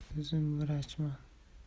o'zim vrachman